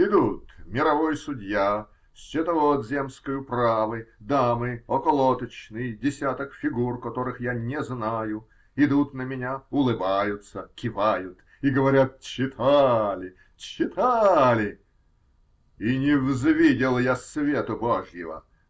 Идут мировой судья, счетовод земской управы, дамы, околоточный, десяток фигур, которых я не знаю, идут на меня, улыбаются, кивают и говорят: -- Читали, читали. И невзвидел я свету Божьего.